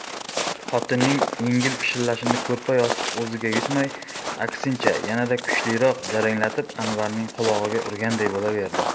xotinining yengil pishillashini ko'rpa yostiq o'ziga yutmay aksincha yanada kuchliroq jaranglatib anvarning qulog'iga urganday bo'laverdi